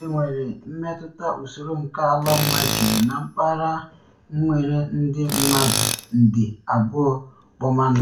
Enwere mmetụta usoro nke ala ọmajiji na mpaghara nwere ndị mmadụ nde 2.4.